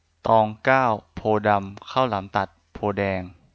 ตองเก้าโพธิ์ดำข้าวหลามตัดโพธิ์แดง